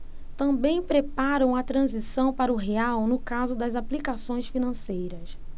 também preparam a transição para o real no caso das aplicações financeiras